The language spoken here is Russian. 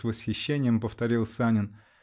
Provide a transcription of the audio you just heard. -- с восхищением повторил Санин.